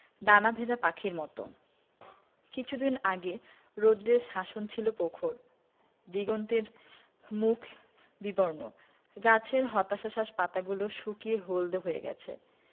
ডানা ভেজা পাখির মত কিছুদিন আগে রৌদ্রের শাসন ছিল পখর দিগন্তের মুখ বিবর্ণ গাছের হতাশ্বাসাস পাতাগুলো শুকিয়ে হলদে হয়ে গেছে